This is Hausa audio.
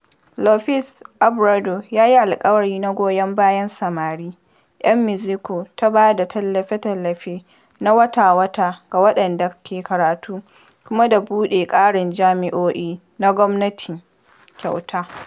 Lopez Obrador ya yi alkawari na goyon bayan samari ‘yan Mexico ta ba da tallafe-tallafe na wata-wata ga waɗanda ke karatu kuma da buɗe ƙarin jami’o’i na gwamnati kyauta.